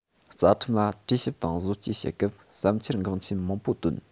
རྩ ཁྲིམས ལ གྲོས ཞིབ དང བཟོ བཅོས བྱེད སྐབས བསམ འཆར འགངས ཆེན མང པོ བཏོན